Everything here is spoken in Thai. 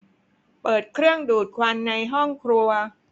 เปิดเครื่องดูดควันในห้องครัว